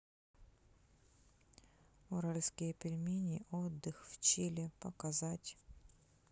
уральские пельмени отдых в чили показать